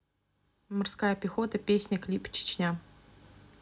морская пехота песня клип чечня